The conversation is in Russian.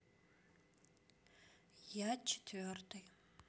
я четвертый